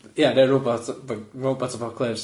Ie neu' robot ap- robot apocalypse.